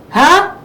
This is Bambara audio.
Hɔn